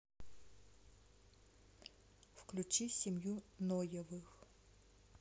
включи семью ноевых